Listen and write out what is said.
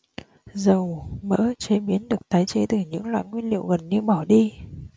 dầu mỡ chế biến được tái chế từ những loại nguyên liệu gần như bỏ đi